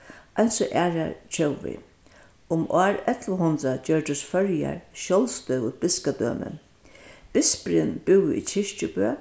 eins og aðrar tjóðir um ár ellivu hundrað gjørdust føroyar sjálvstøðugt bispurin búði í kirkjubø